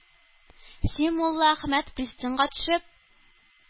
Син, Муллаәхмәт, пристаньга төшеп,